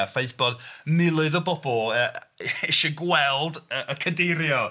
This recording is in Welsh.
A ffaith bod miloedd o bobl yy isio gweld y Cadeirio.